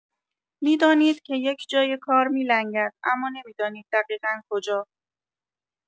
می‌دانید که یک جای کار می‌لنگد اما نمی‌دانید دقیقا کجا!